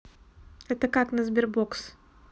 это как на sberbox